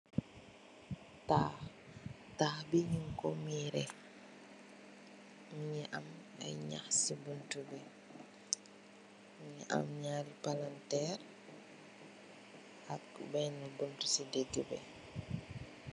Tat, tat bi nyu ko mere. Mugi am ai nyah si buntubi mugi am nirre palanterr ak bena buntu si gida bi.